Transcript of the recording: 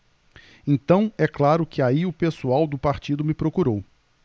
então é claro que aí o pessoal do partido me procurou